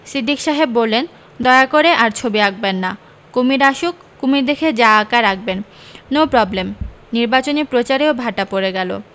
সিদ্দিক সাহেব বললেন দয়া করে আর ছবি আঁকবেন না কুমীর আসুক কুমীর দেখে যা আঁকার আঁকবেন নো প্রবলেম নিবাচনী প্রচারেও ভাটা পড়ে গেল